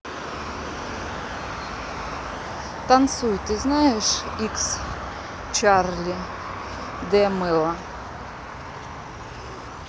танцуй ты знаешь x чарли d'amelio